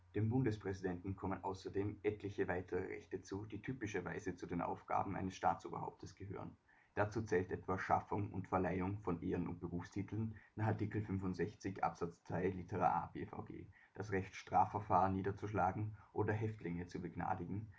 Dem Bundespräsidenten kommen außerdem etliche weitere Rechte zu, die typischerweise zu den Aufgaben eines Staatsoberhauptes gehören. Dazu zählt etwa Schaffung und Verleihung von Ehren - und Berufstiteln nach Art. 65 Abs 2 lit a B-VG, das Recht Strafverfahren niederzuschlagen oder Häftlinge zu begnadigen